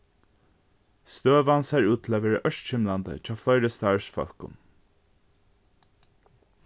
støðan sær út til at vera ørkymlandi hjá fleiri starvsfólkum